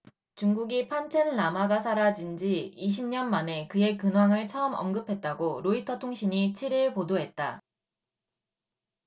중국이 판첸 라마가 사라진 지 이십 년 만에 그의 근황을 처음 언급했다고 로이터통신이 칠 일 보도했다